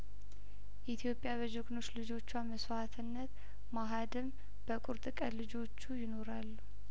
ኢትዮጵያ በጀግኖች ልጆቿ መስዋእትነት መሀድም በቁርጥ ቀን ልጆቹ ይኖራሉ